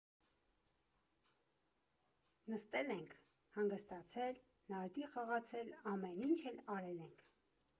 Նստել ենք, հանգստացել, նարդի խաղացել, ամեն ինչ էլ արել ենք։